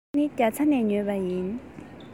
འདི ཚོ ནི རྒྱ ཚ ནས ཉོས པ ཡིན